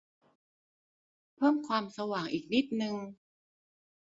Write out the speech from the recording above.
เพิ่มความสว่างอีกนิดนึง